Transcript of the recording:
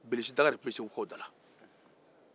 bilisi daga de tun bɛ segukaw da la